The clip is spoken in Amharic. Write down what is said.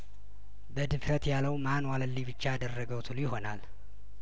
በድፍረት ያለው ማን ዋለልኝ ብቻ አደረገው ትሉ ይሆናል